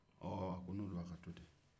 ɔɔɔ a ko ni o don a ka to ten